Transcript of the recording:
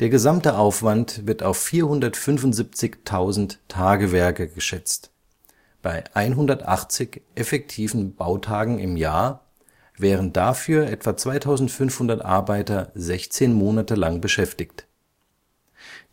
Der gesamte Aufwand wird auf 475.000 Tagewerke geschätzt, bei 180 effektiven Bautagen im Jahr wären dafür etwa 2500 Arbeiter 16 Monate lang beschäftigt.